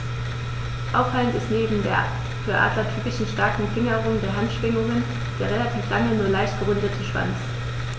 Auffallend ist neben der für Adler typischen starken Fingerung der Handschwingen der relativ lange, nur leicht gerundete Schwanz.